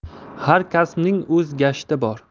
har kasbning o'z gashti bor